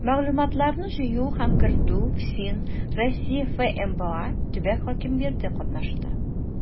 Мәгълүматларны җыю һәм кертүдә ФСИН, Россия ФМБА, төбәк хакимияте катнашты.